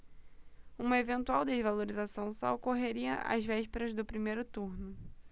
uma eventual desvalorização só ocorreria às vésperas do primeiro turno